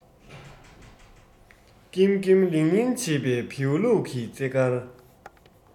ཀེམ ཀེམ ལིང ལིང བྱེད པའི བེའུ ལུག གི རྩེད གར